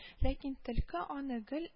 Ләкин төлке аны гел